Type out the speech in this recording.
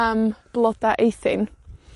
am bloda Eithin,